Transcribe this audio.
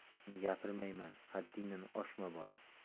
men gapiryapman haddingdan oshma bola